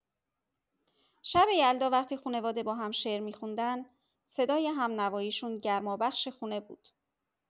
شب یلدا، وقتی خونواده با هم شعر می‌خوندن، صدای همنواییشون گرمابخش خونه بود.